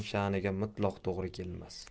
shaniga mutlaqo to'g'ri kelmas